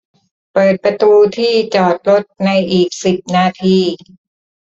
เปิดประตูที่จอดรถในอีกสิบนาที